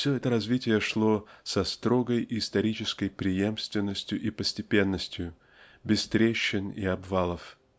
все это развитие шло со строгой исторической преемственностью и постепенностью без трещин и обвалов.